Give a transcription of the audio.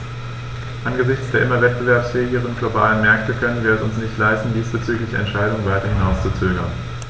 Angesichts der immer wettbewerbsfähigeren globalen Märkte können wir es uns nicht leisten, diesbezügliche Entscheidungen weiter hinauszuzögern.